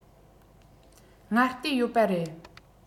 སྔ ལྟས ཡོད པ རེད